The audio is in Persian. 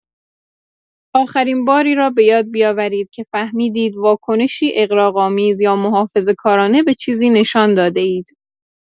آخرین باری را بۀاد بیاورید که فهمیدید واکنشی اغراق‌آمیز یا محافظه‌کارانه به چیزی نشان داده‌اید